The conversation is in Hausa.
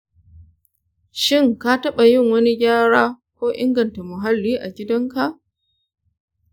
shin ka taɓa yin wani gyara ko inganta muhalli a gidanka?